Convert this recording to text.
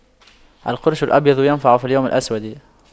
القرش الأبيض ينفع في اليوم الأسود